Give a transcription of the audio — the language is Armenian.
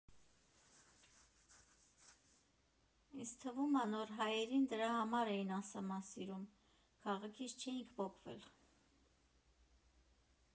Ինձ թվում ա՝ «Նոր Հայերին» դրա համար էին անսահման սիրում՝ քաղաքից չէինք պոկվել։